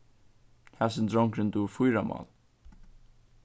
hasin drongurin dugir fýra mál